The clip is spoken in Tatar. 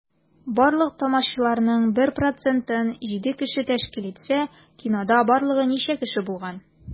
Барлык тамашачыларның 1 процентын 7 кеше тәшкил итсә, кинода барлыгы ничә кеше булган?